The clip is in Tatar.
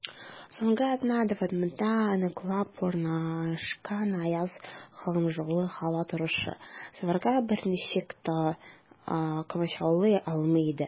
Соңгы атна дәвамында ныклап урнашкан аяз һәм җылы һава торышы сәфәргә берничек тә комачаулый алмый иде.